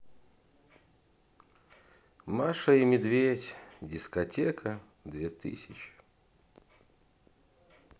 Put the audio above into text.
маша и медведь дискотека две тысячи